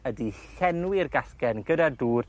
ydi llenwi'r gasgen gyda dŵr